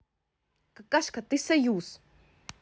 какашка ты союз